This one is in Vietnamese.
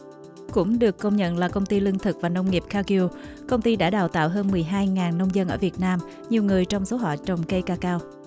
cũng được công nhận là công ty lương thực và nông nghiệp ca giu công ty đã đào tạo hơn mười hai ngàn nông dân ở việt nam nhiều người trong số họ trồng cây ca cao